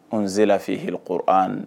N n selenela fɛ hkɔrɔ